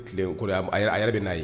Tile n kɔrɔ a yɛrɛ bɛ n'a ye!